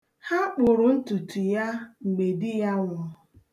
Ha kpụrụ ntutu ya mgbe di ya nwụrụ.